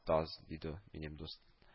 Таз! — диде минем дус